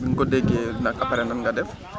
bi nga ko déggee nag après nan nga def